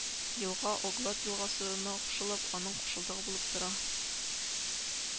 Елга Оглат елгасына кушылып, аның кушылдыгы булып тора